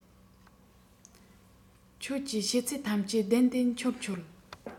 ཁྱོད ཀྱིས བཤད ཚད ཐམས ཅད བདེན བདེན འཆོལ འཆོལ